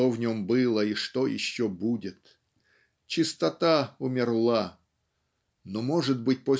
что в нем было и что еще будет. Чистота умерла. Но может быть